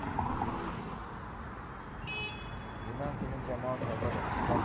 penaltini jamoa sardori islom